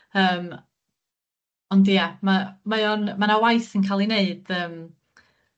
yym ond ia, ma' mae o'n ma' 'na waith yn ca'l 'i wneud yym